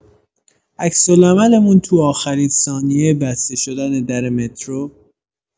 عکس‌العمل‌مون تو آخرین ثانیه بسته شدن در مترو